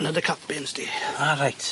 'Na dy capyns di. Ah reit.